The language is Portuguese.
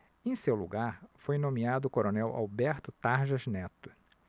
em seu lugar foi nomeado o coronel alberto tarjas neto